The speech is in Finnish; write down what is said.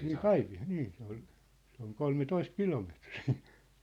niin - niin se oli se on kolmetoista kilometriä